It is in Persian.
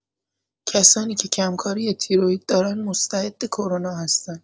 کسانی که کم‌کاری تیروئید دارند، مستعد کرونا هستند.